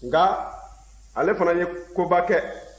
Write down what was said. nka ale fana ye koba kɛ